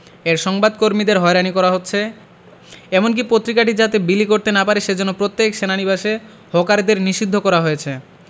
এর সংবাদ কর্মীদের হয়রানি করা হচ্ছে এমনকি পত্রিকাটি যাতে বিলি করতে না পারে সেজন্যে প্রত্যেক সেনানিবাসে হকারদের নিষিদ্ধ করা হয়েছে